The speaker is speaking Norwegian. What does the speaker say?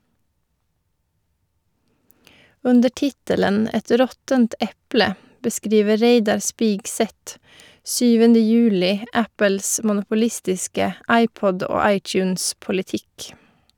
Under tittelen «Et råttent eple» beskriver Reidar Spigseth 7. juli Apples monopolistiske iPod- og iTunes-politikk.